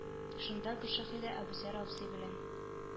Шунда гөлшәһидә әбүзәр абзый белән